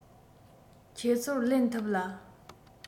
ཁྱེད ཚོར ལེན ཐུབ ལ